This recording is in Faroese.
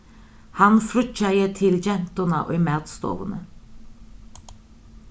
hann fríggjaði til gentuna í matstovuni